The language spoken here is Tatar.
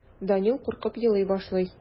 Данил куркып елый башлый.